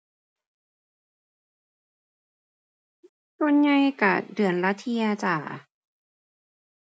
ส่วนใหญ่ก็เดือนละเที่ยจ้า